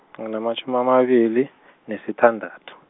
nginamatjhumi amabili, nesithandathu.